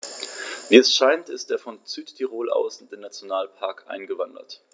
Wie es scheint, ist er von Südtirol aus in den Nationalpark eingewandert.